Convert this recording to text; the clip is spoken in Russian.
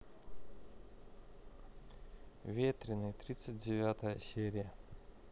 ветреный тридцать девятая серия